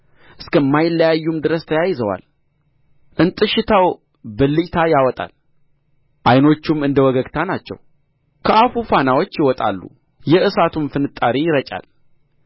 እስከማይለያዩም ድረስ ተያይዘዋል እንጥሽታው ብልጭታ ያወጣል ዓይኖቹም እንደ ወገግታ ናቸው ከአፉ ፋናዎች ይወጣሉ የእሳትም ፍንጣሪ ይረጫል